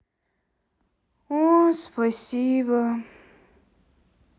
о спасибо